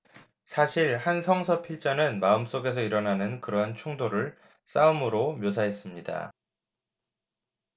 사실 한 성서 필자는 마음속에서 일어나는 그러한 충돌을 싸움으로 묘사했습니다